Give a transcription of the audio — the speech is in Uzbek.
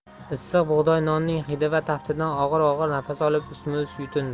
issiq bug'doy nonning hidi va taftidan og'ir og'ir nafas olib ustma ust yutindi